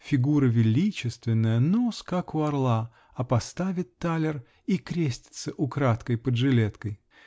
Фигура величественная, нос как у орла, а поставит талер -- и крестится украдкой под жилеткой.